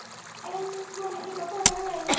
em vừa hẹn đi cà phê với anh này